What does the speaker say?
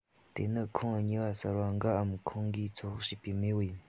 དེ ནི ཁོངས གཉིས པ གསར པ འགའ འམ ཁོངས འགའི ཚོད དཔག བྱས པའི མེས པོ ཡིན